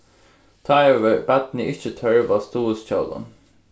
tá hevur barnið ikki tørv á stuðulshjólum